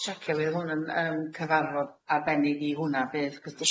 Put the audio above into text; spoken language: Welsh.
Sori jys jecio bydd hwn yn yn cyfarfod arbennig i hwnna bydd?